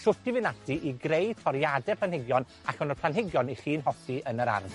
shwt i fynd ati i greu toriade planhigion, allan o'r planhigion 'ych chi'n hoffi yn yr ardd.